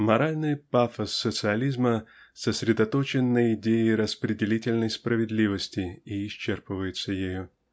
Моральный пафос социализма сосредоточен на идее распределительной справедливости и исчерпывается ею